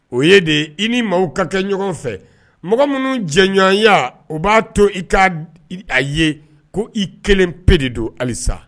O ye de i ni mɔgɔw ka kɛ ɲɔgɔn fɛ, mɔgɔ minnu jɛɲɔgɔnya o b'a to i ka a ye ko i kelen pe de don halisa